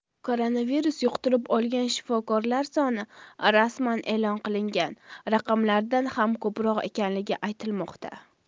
koronavirus yuqtirib olgan shifokorlar soni rasman e'lon qilingan raqamlardan ham ko'proq ekanligi aytilmoqda